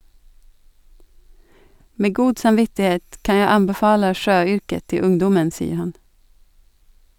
- Med god samvittighet kan jeg anbefale sjøyrket til ungdommen, sier han.